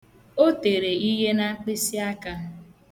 O tere ihe na mkpịsịaka.